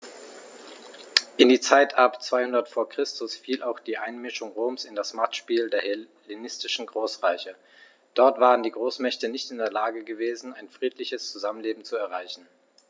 In die Zeit ab 200 v. Chr. fiel auch die Einmischung Roms in das Machtspiel der hellenistischen Großreiche: Dort waren die Großmächte nicht in der Lage gewesen, ein friedliches Zusammenleben zu erreichen.